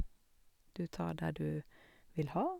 Du tar det du vil ha.